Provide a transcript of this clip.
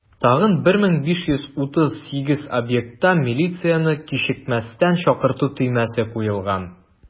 Тагын 1538 объектта милицияне кичекмәстән чакырту төймәсе куелган.